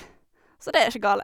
Så det er ikke galt.